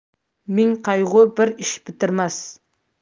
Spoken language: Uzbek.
ming qayg'u bir ish bitirmas